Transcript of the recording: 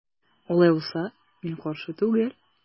Алай булса мин каршы түгел.